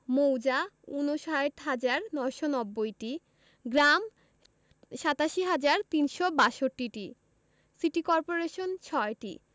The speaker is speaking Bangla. মৌজা ৫৯হাজার ৯৯০টি গ্রাম ৮৭হাজার ৩৬২টি সিটি কর্পোরেশন ৬টি